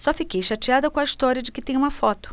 só fiquei chateada com a história de que tem uma foto